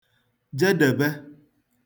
jedèbe